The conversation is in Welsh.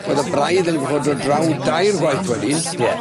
Wedd y braidd yn goffod dod draw dair gwaith wedyn. Ie.